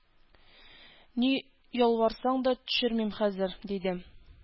Ни ялварсаң да төшермим хәзер! — диде.